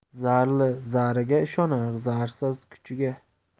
zarli zariga ishonar zarsiz kuchiga